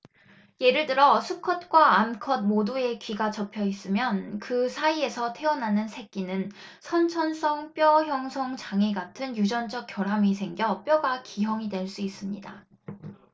예를 들어 수컷과 암컷 모두의 귀가 접혀 있으면 그 사이에서 태어나는 새끼는 선천성 뼈 형성 장애 같은 유전적 결함이 생겨 뼈가 기형이 될 수 있습니다